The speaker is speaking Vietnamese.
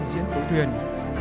người làm